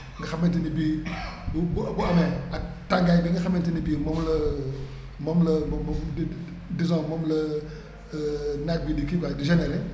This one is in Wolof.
nga xamante ni bii bu bu amee ak tàngaay bi nga xamante ne bii moom la moom la moom moom disons moom la naaj bi di kii quoi di généré